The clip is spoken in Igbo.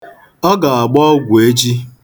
Ọ ga-agba ọgwụ echi.